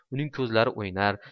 uning ko'zlari o'ynar